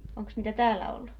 onkos niitä täällä ollut